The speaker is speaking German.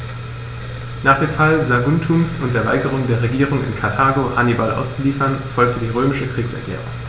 Nach dem Fall Saguntums und der Weigerung der Regierung in Karthago, Hannibal auszuliefern, folgte die römische Kriegserklärung.